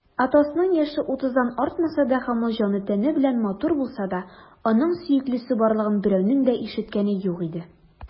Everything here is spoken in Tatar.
Атосның яше утыздан артмаса да һәм ул җаны-тәне белән матур булса да, аның сөеклесе барлыгын берәүнең дә ишеткәне юк иде.